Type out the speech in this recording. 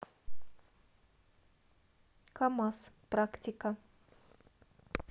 камаз практика